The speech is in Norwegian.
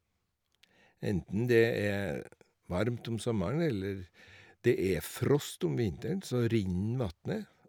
Enten det er varmt om sommeren eller det er frost om vinteren, så renner vatnet.